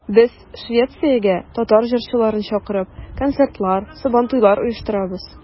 Без, Швециягә татар җырчыларын чакырып, концертлар, Сабантуйлар оештырабыз.